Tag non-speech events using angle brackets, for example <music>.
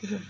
<hesitation> <hesitation>